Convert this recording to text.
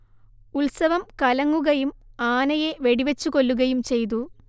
ഉത്സവം കലങ്ങുകയും ആനയെ വെടിവച്ചുകൊല്ലുകയും ചെയ്തു